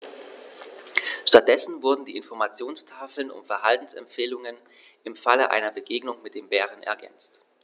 Stattdessen wurden die Informationstafeln um Verhaltensempfehlungen im Falle einer Begegnung mit dem Bären ergänzt.